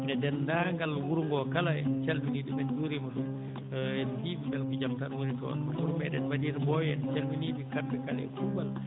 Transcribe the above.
e denndaangal wuro ngo kala en calminii ɗum en njuuriima ɗum en mbiyii ɓe mbele ko jam tan woni toon no wuro meeɗen Madina Mboyo en calminii ɓe kamɓe kala e kuuɓal